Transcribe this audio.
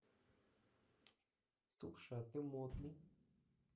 слушай а ты модный